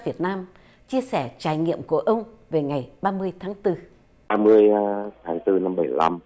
việt nam chia sẻ trải nghiệm của ông về ngày ba mươi tháng tư hai mươi tháng tư năm bẩy lăm